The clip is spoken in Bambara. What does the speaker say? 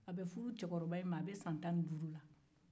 a furula cɛkɔrɔba in ma k'a si to san tan ni duuru la